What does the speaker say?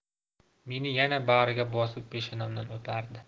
meni yana bag'riga bosib peshonamdan o'pardi